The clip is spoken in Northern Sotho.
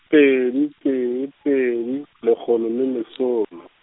pedi, tee, pedi, lekgolo le lesome.